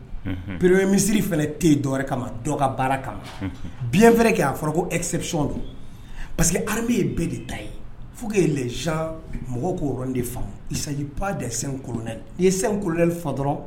Unhun. Premier ministre fana tɛ yen dɔ wɛrɛ kama dɔ ka baara kama. Unhun. bien vrai que a fɔra ko exception de parce que armée ye bɛɛ de ta ye, il faut que les gens mɔgɔw k'o yɔrɔnin de faamu il ne s'agit pas des 5 colonels ni ye 5 colonels fɔ dɔrɔn